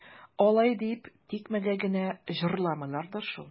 Алай дип тикмәгә генә җырламыйлардыр шул.